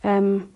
Yym.